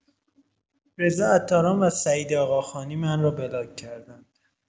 رضا عطاران و سعید آقاخانی من را بلاک کردند.